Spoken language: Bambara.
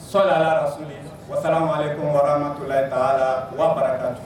Solala soli wasa'ale ko maratula ta la wakantu